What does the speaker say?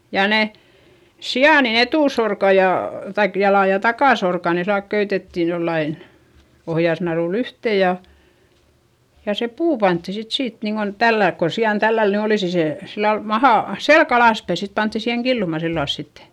ja ne sian etusorkat ja kaikki jalat ja takasorkat ne sillä lailla köytettiin jollakin ohjasnarulla yhteen ja ja se puu pantiin sitten siitä niin kuin tällä lailla kun sian tällä lailla nyt olisi se sillä lailla maha selkä alaspäin sitten pantiin siihen killumaan sillä lailla sitten